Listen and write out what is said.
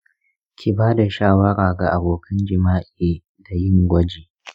ki bada shawara ga abokan jima'i da yin gwaji.